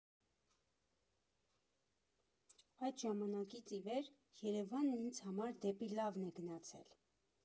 Այդ ժամանակից ի վեր Երևանն ինձ համար դեպի լավն է գնացել։